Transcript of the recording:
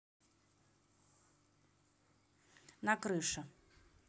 на крыше